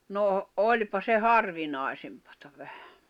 no olipa se harvinaisempaa vähän